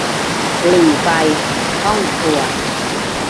หรี่ไฟห้องครัว